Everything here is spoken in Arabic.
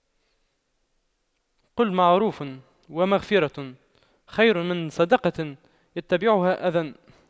قَولٌ مَّعرُوفٌ وَمَغفِرَةُ خَيرٌ مِّن صَدَقَةٍ يَتبَعُهَا أَذًى